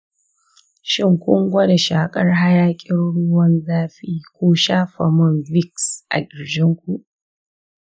shin kun gwada shakar hayakin ruwan zafi ko shafa man vicks a ƙirjinku?